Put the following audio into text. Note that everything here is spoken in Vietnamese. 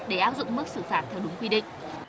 để áp dụng mức xử phạt theo đúng quy định